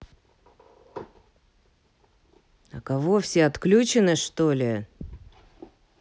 а кого все отключены что ли